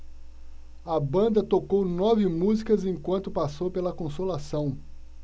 a banda tocou nove músicas enquanto passou pela consolação